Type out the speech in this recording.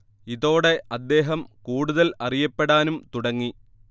ഇതോടെ അദ്ദേഹം കൂടുതൽ അറിയപ്പെടാനും തുടങ്ങി